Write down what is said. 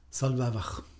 Solva fach.